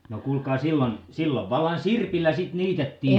no kuulkaa silloin silloin vallan sirpillä sitten niitettiin